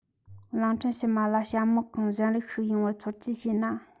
གླིང ཕྲན ཕྱི མ ལ བྱ མོག ཁེང གཞན རིགས ཤིག ཡོང པར ཚོད རྩིས བྱས ན